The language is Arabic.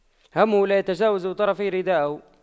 همه لا يتجاوز طرفي ردائه